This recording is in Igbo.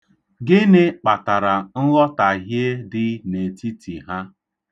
Gịnị kpatara nghọtaghie dị n'etiti ha?